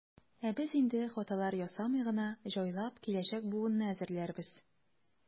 Ә без инде, хаталар ясамый гына, җайлап киләчәк буынны әзерләрбез.